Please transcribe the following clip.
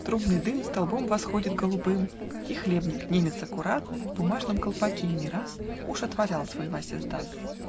трубный дым Столбом восходит голубым, И хлебник, немец аккуратный, В бумажном колпаке, не раз Уж отворял свой васисдас.